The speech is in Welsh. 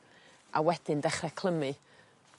a wedyn dechre clymu.